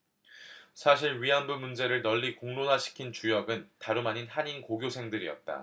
사실 위안부 문제를 널리 공론화시킨 주역은 다름아닌 한인고교생들이었다